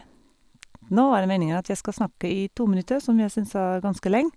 Nå er det meningen at jeg skal snakke i to minutter, som jeg synes er ganske lenge.